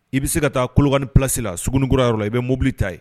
I bɛ se ka taa kolokani plasi la sugununikura yɔrɔ la i bɛ mobili ta ye